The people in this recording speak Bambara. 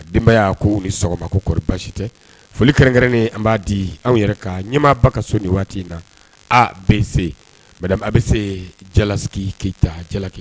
Denbaya y'a ko ni sɔgɔma ko koɔri basi tɛ foli kɛrɛnkɛrɛnnen an b'a di anw yɛrɛ ka ɲɛmaa ba ka so ni waati in na aa bɛ a bɛ se jalasigi keyita jalake